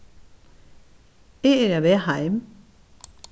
eg eri á veg heim